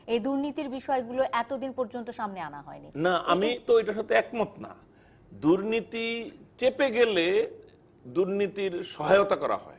এ দুর্নীতির বিষয়গুলো এতদিন পর্যন্ত সামনে আনা হয়নি না আমি তো এটার সাথে একমত না দুর্নীতি চেপে গেলে দুর্নীতি সহায়তা করা হয়